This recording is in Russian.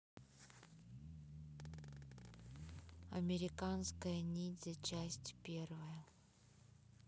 американский ниндзя часть первая